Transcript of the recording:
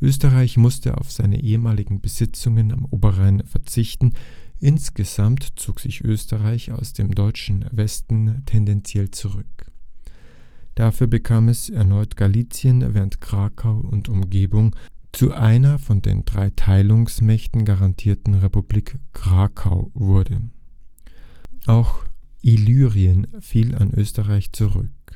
Österreich musste auf seine ehemaligen Besitzungen am Oberrhein verzichten. Insgesamt zog sich Österreich aus dem deutschen Westen tendenziell zurück. Dafür bekam es erneut Galizien, während Krakau und Umgebung zu einer von den drei Teilungsmächten garantierten Republik Krakau wurde. Auch Illyrien fiel an Österreich zurück